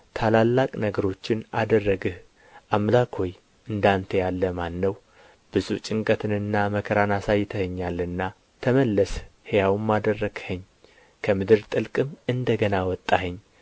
ታላላቅ ነገሮችን አደረግህ አምላክ ሆይ እንደ አንተ ያለ ማን ነው ብዙ ጭንቀትንና መከራን አሳይተኸኛልና ተመለስህ ሕያውም አደረግኸኝ ከምድር ጥልቅም እንደ ገና አወጣኸኝ